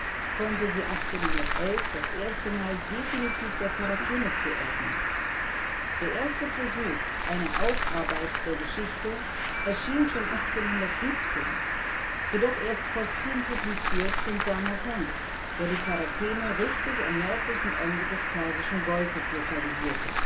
konnte sie 1811 das erste Mal definitiv der Charakene zuordnen. Der erste Versuch einer Aufarbeit der Geschichte erschien schon 1817 (jedoch erst posthum publiziert) von M.J. Saint-Martin, der die Charakene richtig am nördlichen Ende des Persischen Golf lokalisierte